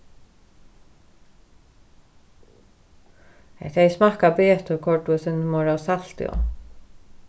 hetta hevði smakkað betur koyrdi tú eitt sindur meira av salti á